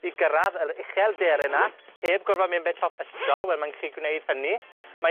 i gyrradd yr ucheldere 'na heb gorfod mynd ben top ysgol, wel mae'n gellu gwneud hynny. Mae